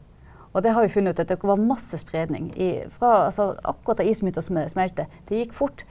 og det har vi funnet ut at det var masse spredning i fra altså akkurat da isen begynte å smelte, det gikk fort.